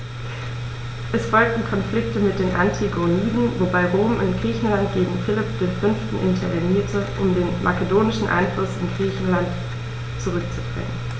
Es folgten Konflikte mit den Antigoniden, wobei Rom in Griechenland gegen Philipp V. intervenierte, um den makedonischen Einfluss in Griechenland zurückzudrängen.